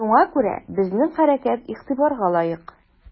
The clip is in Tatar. Шуңа күрә безнең хәрәкәт игътибарга лаек.